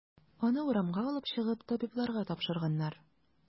Аны урамга алып чыгып, табибларга тапшырганнар.